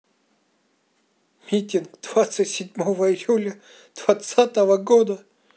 митинг двадцать седьмого июля двадцатого года